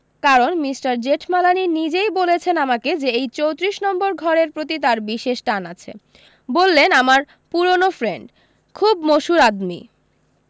কারণ মিষ্টার জেঠমালানি নিজই বলেছেন আমাকে যে এই চোত্রিশ নম্বর ঘরের প্রতি তার বিশেষ টান আছে বললেন আমার পুরোনো ফ্রেন্ড খুব মসুর আদমী